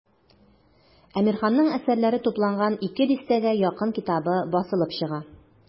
Әмирханның әсәрләре тупланган ике дистәгә якын китабы басылып чыга.